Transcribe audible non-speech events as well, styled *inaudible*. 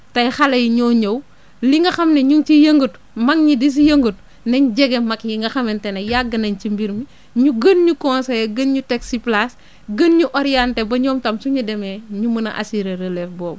tey xale yi ñoo ñëw li nga xam ne ñu ngi ciy yëngatu mag ñi di si yëngatu nañ jege mag yi nga xamante ne *noise* yàgg nañ ci mbir mi ñu gën ñu conseiller gën ñu teg si place gën ñu orienter ba ñoom tam suñu demee ñu mun a ssurer relève boobu